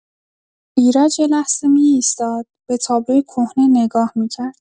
ایرج یه لحظه می‌ایستاد، به تابلوی کهنه نگاه می‌کرد.